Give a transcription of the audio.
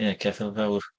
Ie, ceffyl fawr.